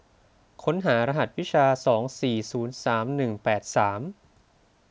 ค้นหารหัสวิชาสองสี่ศูนย์สามหนึ่งแปดสาม